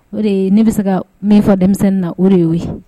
O de ye ne bɛ se ka min fɔ denmisɛnnin na o de yeo ye